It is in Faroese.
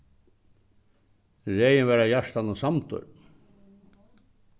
regin var av hjartanum samdur